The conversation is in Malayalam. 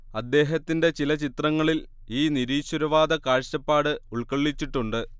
അദ്ദേഹത്തിന്റെ ചില ചിത്രങ്ങളിൽ ഈ നിരീശ്വരവാദ കാഴ്ചപ്പാട് ഉൾക്കൊള്ളിച്ചിട്ടുണ്ട്